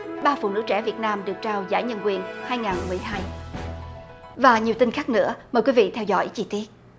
ba phụ nữ trẻ việt nam được trao giải nhân quyền hai ngàn mười hai và nhiều tin khác nữa mời quý vị theo dõi chi tiết